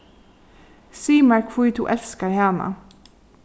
sig mær hví tú elskar hana